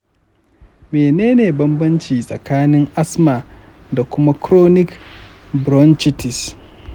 menene banbanci tsakanin asthma da kuma chronic bronchitis